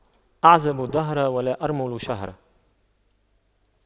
أعزب دهر ولا أرمل شهر